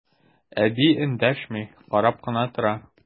Әби эндәшми, карап кына тора.